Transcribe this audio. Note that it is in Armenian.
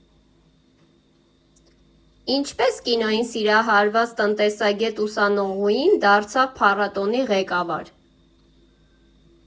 Ինչպե՞ս կինոյին սիրահարված տնտեսագետ ուսանողուհին դարձավ փառատոնի ղեկավար.